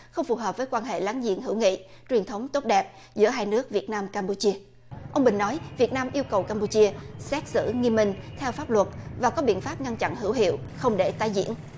không phù hợp với quan hệ láng giềng hữu nghị truyền thống tốt đẹp giữa hai nước việt nam cam pu chia ông bình nói việt nam yêu cầu cam pu chia xét xử nghiêm minh theo pháp luật và có biện pháp ngăn chặn hữu hiệu không để tái diễn